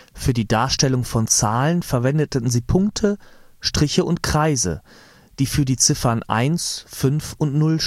Für die Darstellung von Zahlen verwendeten sie Punkte, Striche und Kreise, die für die Ziffern 1, 5 und 0